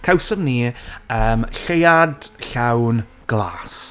Cawsom ni, yym, lleuad llawn glas.